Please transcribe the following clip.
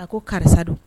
A ko karisa don